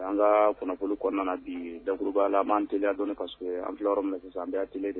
An ka kunnafoni kɔnɔna na bi daurubala'an tya dɔn an fila yɔrɔ minɛ sisan an b' tile de